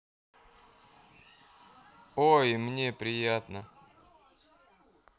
о и мне приятно